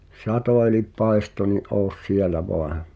satoi eli paistoi niin ole siellä vain